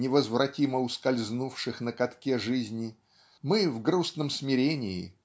невозвратимо ускользнувших на катке жизни мы в грустном смирении